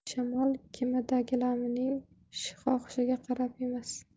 shamol kemadagilaming xohishiga qarab esmas